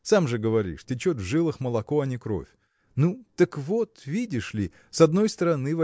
Сам же говоришь: Течет в жилах молоко, а не кровь. Ну, так вот видишь ли с одной стороны